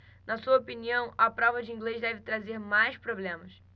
na sua opinião a prova de inglês deve trazer mais problemas